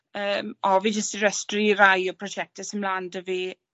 Yym o fi jyst 'di restri rai o prosiecte sy mlan 'dy fi